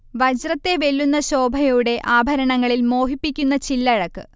വജ്രത്തെ വെല്ലുന്ന ശോഭയോടെ ആഭരണങ്ങളിൽ മോഹിപ്പിക്കുന്ന ചില്ലഴക്